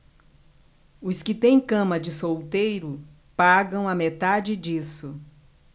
os que têm cama de solteiro pagam a metade disso